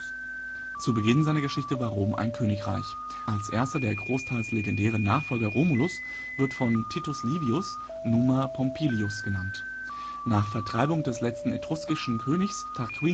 Zu Beginn seiner Geschichte war Rom ein Königreich, als erster der – großteils legendären – Nachfolger Romulus ' wird von Titus Livius Numa Pompilius genannt. Nach Vertreibung des letzten etruskischen Königs Tarquinius